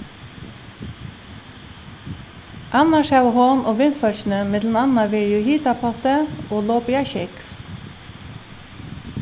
annars hava hon og vinfólkini millum annað verið í hitapotti og lopið á sjógv